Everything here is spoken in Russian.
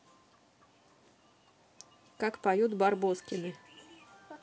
как поют барбоскины